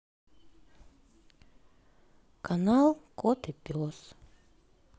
канал кот и пес